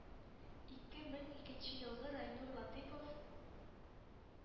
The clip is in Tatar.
Ике менң икенче елгы райнур латыйпов